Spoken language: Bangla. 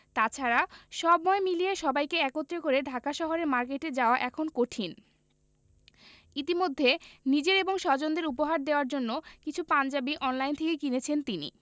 তা ছাড়া সময় মিলিয়ে সবাইকে একত্র করে ঢাকা শহরের মার্কেটে যাওয়া এখন কঠিন ইতিমধ্যে নিজের এবং স্বজনদের উপহার দেওয়ার জন্য কিছু পাঞ্জাবি অনলাইন থেকে কিনেছেন তিনি